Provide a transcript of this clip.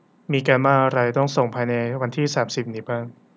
มีการบ้านอะไรต้องส่งภายในวันที่สามสิบนี้บ้าง